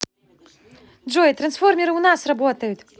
джой трансформеры у нас работают